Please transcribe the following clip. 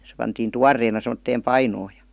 se pantiin tuoreena semmoiseen painoon ja